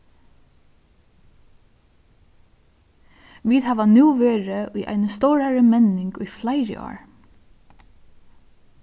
vit hava nú verið í eini stórari menning í fleiri ár